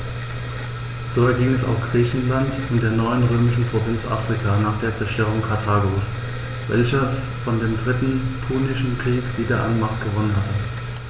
So erging es auch Griechenland und der neuen römischen Provinz Afrika nach der Zerstörung Karthagos, welches vor dem Dritten Punischen Krieg wieder an Macht gewonnen hatte.